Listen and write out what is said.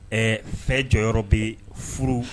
Ɛɛ fɛn jɔyɔrɔyɔrɔ bɛ furu